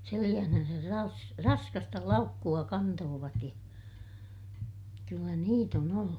selässään - raskasta laukkua kantoivat ja kyllä niitä on ollut